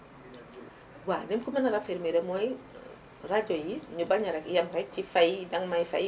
waaw ni mu ko mën a raffermir mooy rajo yi ñu bañ a rek yem rek ci fay danga may fay